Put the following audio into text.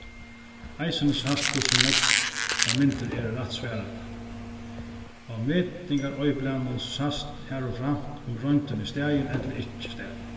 eisini sæst hvussu nógv myndir eru rætt svaraðar á metingaroyðublaðnum sæst harumframt um royndin er staðin ella ikki staðin